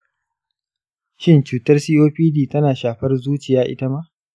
shin cutar copd tana shafar zuciya ita ma?